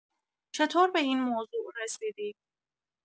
چطور به این موضوع رسیدی؟